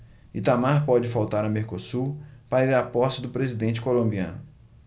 itamar pode faltar a mercosul para ir à posse do presidente colombiano